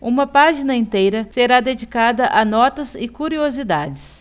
uma página inteira será dedicada a notas e curiosidades